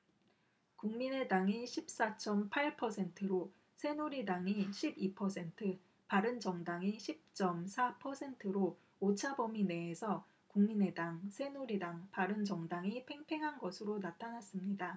국민의당이 십 사 쩜 팔 퍼센트로 새누리당이 십 이 퍼센트 바른정당이 십 쩜 사 퍼센트로 오차범위 내에서 국민의당 새누리당 바른정당이 팽팽한 것으로 나타났습니다